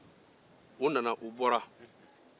u bɔra